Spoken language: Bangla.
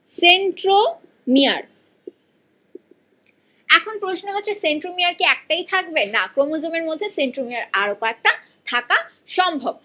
হচ্ছে সেন্ট্রোমিয়ার এখন প্রশ্ন হচ্ছে সেন্ট্রোমিয়ার কি একটাই থাকবে না ক্রোমোজোমের মধ্যে সেন্ট্রোমিয়ার আরো কয়েকটা থাকা সম্ভব